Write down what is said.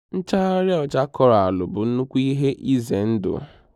Nchagharị ọcha Koraalụ bụ nnukwu ihe ize ndụ.